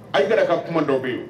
A' yɛrɛ ka kuma dɔ bɛ yen